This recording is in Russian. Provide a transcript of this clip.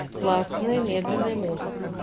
классная медленная музыка